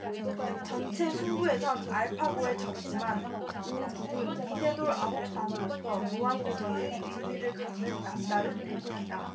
전체 승부에선 알파고에 졌지만 오 국은 이세돌 아홉 단으로서 무한도전의 의미를 갖는 남다른 대국이다